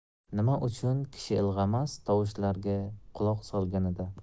nima uchun kishi ilg'amas tovushlarga quloq osganida